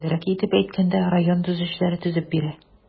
Төгәлрәк итеп әйткәндә, район төзүчеләре төзеп бирә.